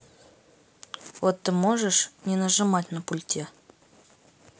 вот ты можешь не нажимать на пульте